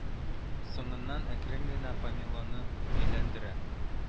Соңыннан әкрен генә памелоны әйләндерә